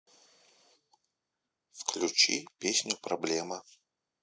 включи песню проблема